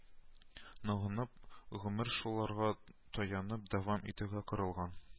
Ныгынып, гомерен шуларга таянып дәвам итүгә корылган